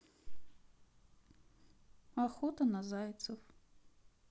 охота на зайцев